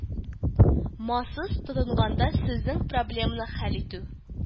Масыз тотынганда сезнең проблеманы хәл итү